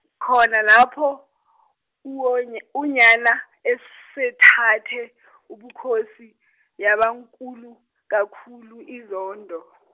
khona lapho uyon- Onyana esethathe ubukhosi yabankulu kakhulu inzondo.